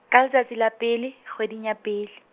ka letsatsing la pele, kgweding ya pele.